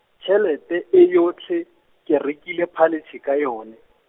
tshelete e yotlhe, ke rekile paletshe ka yone.